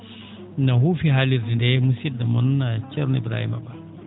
na huufi haalirde ndee musid?o mon ceerno Ibrahima Ba